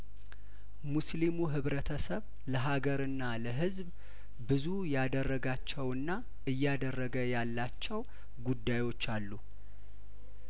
ሙስሊሙ ህብረተሰብ ለሀገርና ለህዝብ ብዙ ያደረጋቸውና እያደረገ ያላቸው ጉዳዮች አሉ